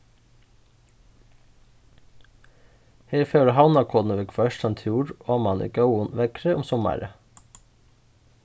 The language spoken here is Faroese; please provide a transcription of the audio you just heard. her fóru havnarkonur viðhvørt ein túr oman í góðum veðri um summarið